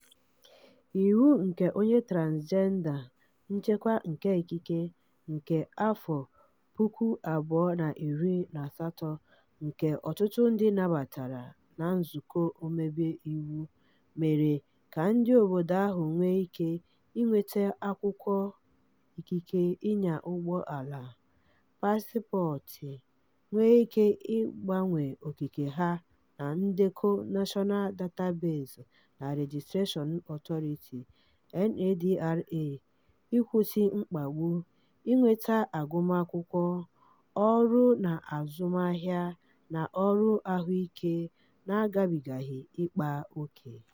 Iwu nke Onye Transịjenda (Nchekwa nke Ikike) nke 2018 nke ọtụtụ ndị nabatara na Nzukọ Omeiwu Mba mere ka ndị obodo ahụ nwee ike inweta akwụkwọ ikike ịnya ụgbọ ala, pasịpọọtụ, nwee ikike ịgbanwe okike ha na ndekọ National Database and Registration Authority (NADRA), ịkwụsị mkpagbu, inweta agụmakwụkwọ, ọrụ n'azụmaahịa na ọrụ ahụike na-agabigaghị ịkpa oke.